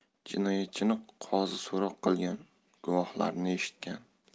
jinoyatchini qozi so'roq qilgan guvohlarni eshitgan